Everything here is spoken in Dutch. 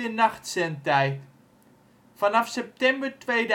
nachtzendtijd. Vanaf september 2003